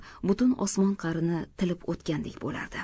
butun osmon qa'rini tilib o'tgandek bo'lardi